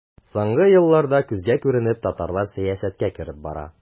Соңгы елларда күзгә күренеп татарлар сәясәткә кереп бара.